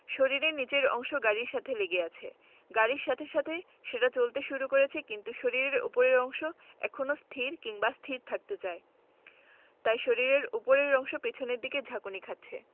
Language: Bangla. শরীরের নিচের অংশ গাড়ির সাথে লেগে আছে গাড়ির সাথে সাথে সেটা চলতে শুরু করেছে কিন্তু শরীরের ওপরের অংশ এখনো স্থির এবং স্থির থাকতে চাইছে তাই শরীরের ওপরের অংশ পেছনের দিকে ঝাঁকুনি খাচ্ছে